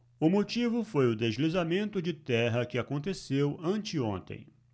o motivo foi o deslizamento de terra que aconteceu anteontem